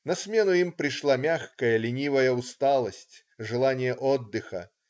На смену им пришла мягкая, ленивая усталость, желание отдыха.